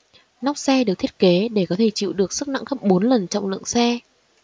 nóc xe được thiết kế để có thể chịu được sức nặng gấp bốn lần trọng lượng xe